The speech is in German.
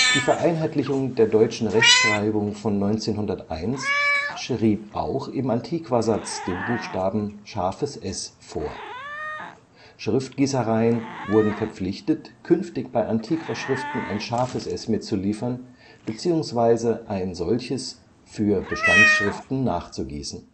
Die Vereinheitlichung der deutschen Rechtschreibung von 1901 schrieb auch im Antiqua-Satz den Buchstaben ß vor. Schriftgießereien wurden verpflichtet, künftig bei Antiqua-Schriften ein ß mitzuliefern bzw. ein solches für Bestandsschriften nachzugießen